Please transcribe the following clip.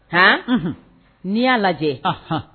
Hɔn n'i y'a lajɛ hɔn